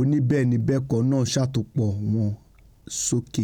oníbẹ́ẹ̀ni-bẹ́ẹ̀kọ́ náà ṣàtòpọ̀ wọn sókè.